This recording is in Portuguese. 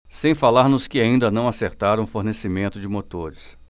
sem falar nos que ainda não acertaram o fornecimento de motores